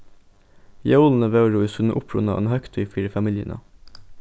jólini vóru í sínum uppruna ein høgtíð fyri familjuna